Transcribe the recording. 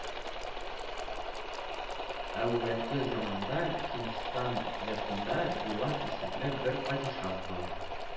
Әүвәлге заманда Һиндстан йортында Билад исемле бер падишаһ бар